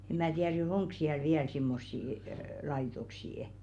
en minä tiedä nyt onko siellä vielä semmoisia - laitoksia